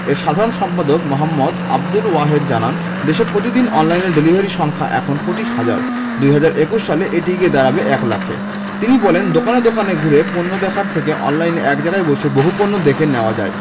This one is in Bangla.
এর সাধারণ সম্পাদক মো. আবদুল ওয়াহেদ জানান দেশে প্রতিদিন অনলাইন ডেলিভারি সংখ্যা এখন ২৫ হাজার ২০২১ সালে এটি গিয়ে দাঁড়াবে ১ লাখে তিনি বলেন দোকানে দোকানে ঘুরে পণ্য দেখার থেকে অনলাইনে এক জায়গায় বসে বহু পণ্য দেখে নেওয়া যায়